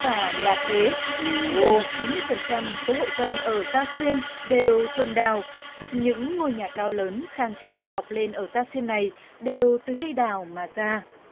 vả là thế nhưng gần chín mươi phần trăm số hộ dân ở gia xuyên đều trồng đào những ngôi nhà cao lớn khang trang mọc lên ở gia xuyên này đều từ cây đào mà ra